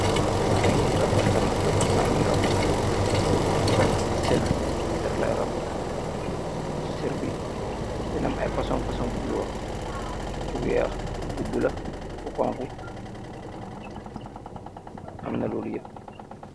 Mangy gis raabat kat, raabat baangi raabue, baangi raabue sehrr, sehrr lai raabue, sehrr bii dina am aiiy fason fason couleur, bu wekh, bu bleu, bu honhu, amna lolu yehp.